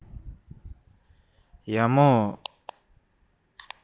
རྗེས སུ མཇལ ཡོང